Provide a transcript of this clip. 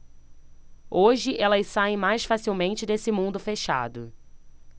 hoje elas saem mais facilmente desse mundo fechado